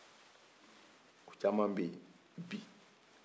o caman bɛ yen bi